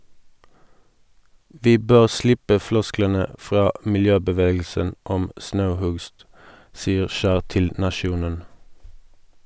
Vi bør slippe flosklene fra miljøbevegelsen om snauhugst, sier Kjær til Nationen.